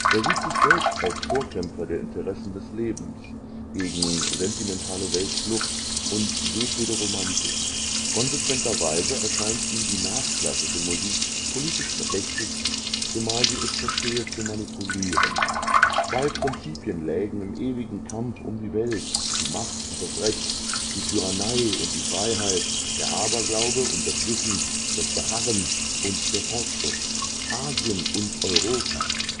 Er sieht sich selbst als Vorkämpfer der „ Interessen des Lebens (…) gegen sentimentale Weltflucht “und jedwede Romantik. Konsequenterweise erscheint ihm die nachklassische Musik „ politisch verdächtig “, zumal sie es verstehe, zu manipulieren. Zwei Prinzipien lägen im ewigen Kampf um die Welt, „ die Macht und das Recht, die Tyrannei und die Freiheit, der Aberglaube und das Wissen, das Beharren und der (…) Fortschritt “, Asien und Europa